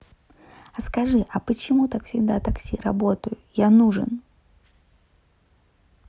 а скажи а почему так всегда такси работаю я нужен